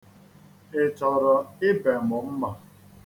Ị chọrọ ibe m mma?